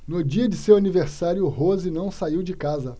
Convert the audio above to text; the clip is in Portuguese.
no dia de seu aniversário rose não saiu de casa